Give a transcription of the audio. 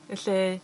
Felly